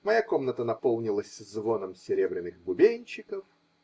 Моя комната наполнилась звоном серебряных бубенчиков.